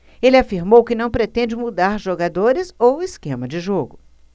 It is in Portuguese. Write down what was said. ele afirmou que não pretende mudar jogadores ou esquema de jogo